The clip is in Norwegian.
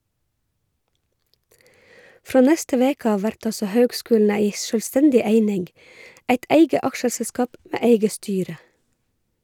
Frå neste veke av vert altså høgskulen ei sjølvstendig eining, eit eige aksjeselskap med eige styre.